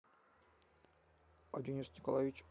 а денис николаевич